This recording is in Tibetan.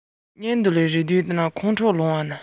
ངས འདི ལྟར བརྗོད པ དང